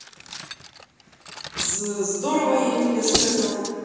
the здорово я тебе сказал